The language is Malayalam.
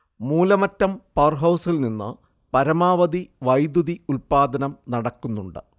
മൂലമറ്റം പവർഹൗസിൽ നിന്നു പരമാവധി വൈദ്യുതി ഉൽപാദനം നടക്കുന്നുണ്ട്